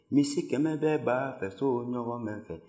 misi kɛmɛ bɛ baa fɛ so o ɲɔgɔn bɛ n fɛ